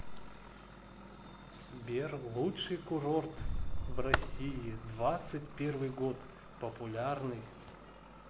сбер лучший курорт в россии двадцать первый год популярный